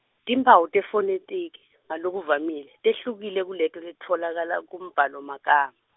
timphawu tefonethiki ngalokuvamile tehlukile kuleto letitfolakala kumbhalomagama.